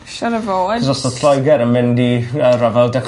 Siŵr o fod. Achos os odd Lloeger yn mynd i yy rhyfel 'da...